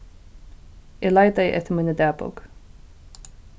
eg leitaði eftir míni dagbók